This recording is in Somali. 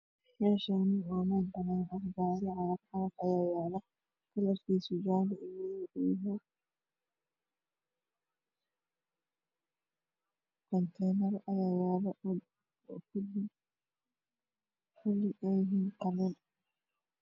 Meshaani waa meel. balak ah gaaricagaf cagaf ah ayaa yaalo kalar kiisu jaalo iyo madow yahay uu yahay kun teenar ayaa yaalo